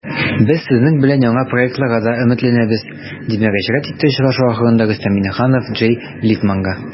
Без сезнең белән яңа проектларга да өметләнәбез, - дип мөрәҗәгать итте очрашу ахырында Рөстәм Миңнеханов Джей Литманга.